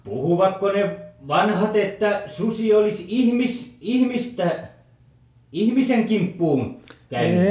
puhuivatko ne vanhat että susi olisi - ihmistä ihmisen kimppuun käynyt